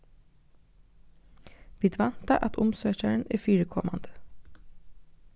vit vænta at umsøkjarin er fyrikomandi